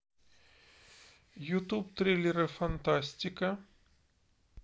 ютуб трейлеры фантастика